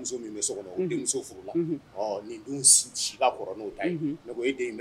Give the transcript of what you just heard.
Muso min bɛ so kɔnɔ. Unhun. O denmuso furu la. Unhun. Ɔɔ nin dun si ka kɔrɔ n'o ta ye. Unhun. Ne ko e den in